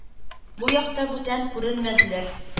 Бу якта бүтән күренмәделәр.